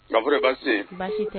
Gafure baasi tɛ yen, baasi tɛ